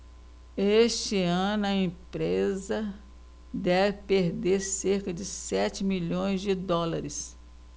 este ano a empresa deve perder cerca de sete milhões de dólares